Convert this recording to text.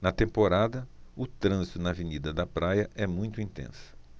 na temporada o trânsito na avenida da praia é muito intenso